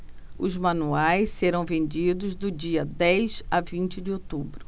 os manuais serão vendidos do dia dez a vinte de outubro